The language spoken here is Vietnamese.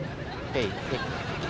kì thiệt